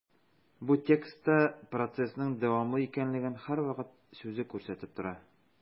Бу текстта процессның дәвамлы икәнлеген «һәрвакыт» сүзе күрсәтеп тора.